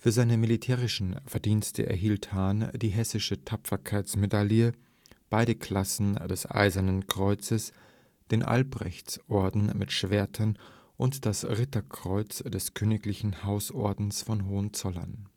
seine militärischen Verdienste erhielt Hahn die Hessische Tapferkeitsmedaille, beide Klassen des Eisernen Kreuzes, den Albrechts-Orden mit Schwertern und das Ritterkreuz des Königlichen Hausordens von Hohenzollern